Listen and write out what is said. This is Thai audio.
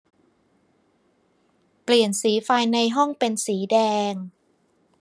เปลี่ยนสีไฟในห้องเป็นสีแดง